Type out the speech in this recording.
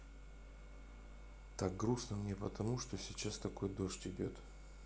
так грустно мне потому что сейчас такой дождь идет